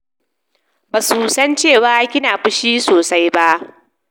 Ba su san cewa kina fushi sosai ba.